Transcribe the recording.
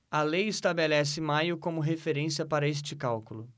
a lei estabelece maio como referência para este cálculo